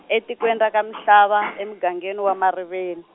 etikweni ra ka Mhlava emigangeni wa Mariveni.